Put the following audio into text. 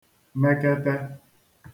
mekete